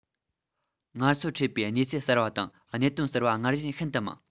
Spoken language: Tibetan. ང ཚོར འཕྲད པའི གནས ཚུལ གསར པ དང གནད དོན གསར པ སྔར བཞིན ཤིན ཏུ མང